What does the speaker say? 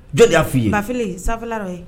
Jolifi bafi sanfɛfɛla dɔ ye